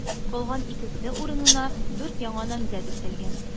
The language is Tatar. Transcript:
Калган икесе урынына дүрт яңа намзәт өстәлгән.